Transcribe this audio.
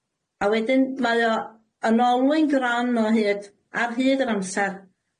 A wedyn mae o yn olwyn gron o hyd, ar hyd yr amsar